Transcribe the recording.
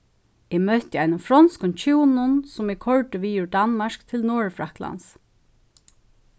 eg møtti einum fronskum hjúnum sum eg koyrdi við úr danmark til norðurfraklands